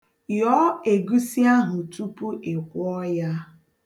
Yọọ egusi ahụ tupu ị kwọọ ya.